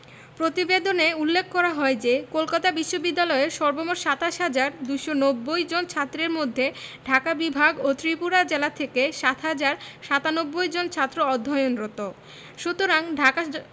প্রতিবেদনে উল্লেখ করা হয় যে কলকাতা বিশ্ববিদ্যালয়ের সর্বমোট ২৭ হাজার ২৯০ জন ছাত্রের মধ্যে ঢাকা বিভাগ ও ত্রিপুরা জেলা থেকে ৭ হাজার ৯৭ জন ছাত্র অধ্যয়নরত সুতরাং ঢাকা